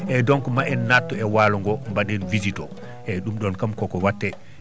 eyyi donc ma en nattu e walo ngo mbaɗen visite o eeyi ɗum ɗo kamkoko watte